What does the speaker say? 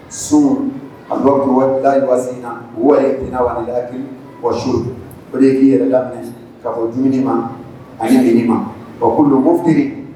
Sun o de y k'i yɛrɛ laminɛ ka bɔ dumuni ma ani nege ma